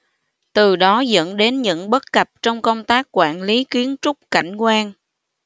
từ đó dẫn đến những bất cập trong công tác quản lý kiến trúc cảnh quan